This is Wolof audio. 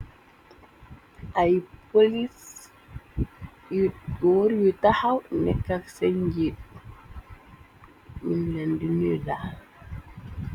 Ay polis yu góor yu taxaw nekk ak cen njiit ñung len di nilda.